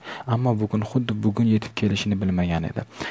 ammo bu kun xuddi shu bugun yetib kelishini bilmagan edi